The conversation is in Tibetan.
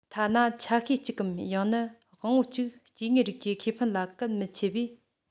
ཐ ན ཆ ཤས གཅིག གམ ཡང ན དབང པོ གཅིག སྐྱེ དངོས རིགས ཀྱི ཁེ ཕན ལ གལ མི ཆེ བས